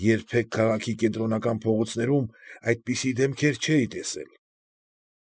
Երբե՜ք քաղաքի կենտրոնական փողոցներում այդպիսի դեմքեր չէի տեսել։